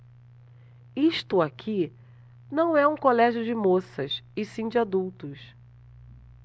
isto aqui não é um colégio de moças e sim de adultos